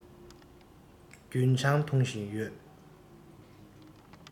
རྒུན ཆང འཐུང བཞིན ཡོད